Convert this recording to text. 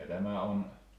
ja tämä on